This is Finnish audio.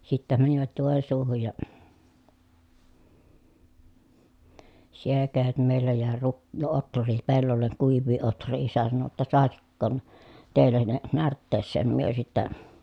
sitten menivät Joensuuhun ja siellä - meillä jäi - ohria pellolle kuivia ohria isä sanoi jotta saisiko teillä ne närtteeseen me sitten